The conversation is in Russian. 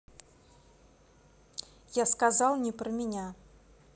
я сказал не про меня